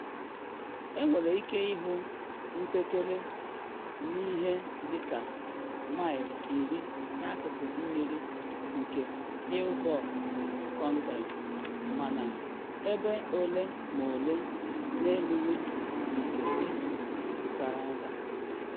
Enwere ike ịhụ mpekere n’ihe dị ka maịlụ 10 akụkụ mmiri nke Hillsborough County, mana n’ebe ole ma ole na erughi nke izu gara aga.